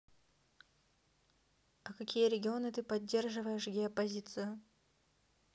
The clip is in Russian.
а какие регионы ты поддерживаешь геопозицию